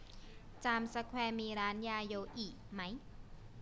จามสแควร์มีร้านยาโยอิไหม